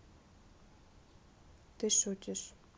ты шутишь